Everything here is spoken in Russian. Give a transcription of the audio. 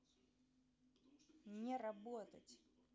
не работать